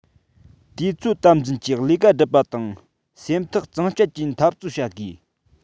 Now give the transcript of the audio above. དུས ཚོད དམ འཛིན གྱིས ལས ཀ སྒྲུབ པ དང སེམས ཐག གཙང བཅད ཀྱིས འཐབ རྩོད བྱ དགོས